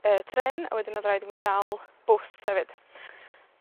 y trên a wedyn odd raid i mi ddal bws hefyd.